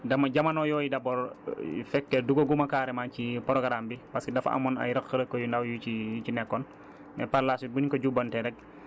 mais dugub bi bi ñu koy ji dama jamono yooyu d' abord fekke duggaguma carrément ci programme bi parce que dafa amoon ay rëq-rëq yu ndaw yu ci yu ci nekkoon